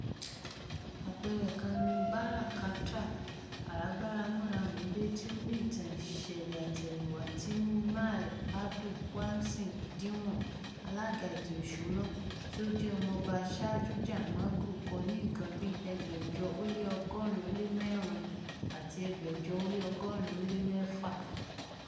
Àpẹẹrẹ kan ni Bara Katra, àrágbáramúramù ilé tí ó ní ìtàn-ìṣẹ̀lẹ̀-àtẹ̀yìnwá tí Mir Abul Qasim, Diwan (alága ètò ìṣúná) ti ó jẹ́ ọmọba Shah Shuja Mughul kọ́ ní nǹkan bíi 1644 àti 1646.